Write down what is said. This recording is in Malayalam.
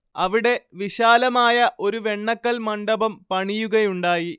അവിടെ വിശാലമായ ഒരു വെണ്ണക്കൽ മണ്ഡപം പണിയുകയുണ്ടായി